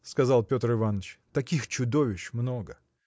– сказал Петр Иваныч, – таких чудовищ много.